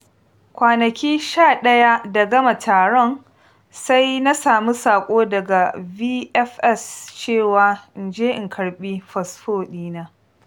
Kwanaki 11 da gama taron, sai na sami saƙo daga VFS cewa in je in karɓi fasfo ɗi na.